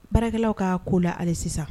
Baarakɛlaw k'a ko la hali sisan